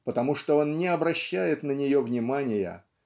потому что он не обращает на нее внимания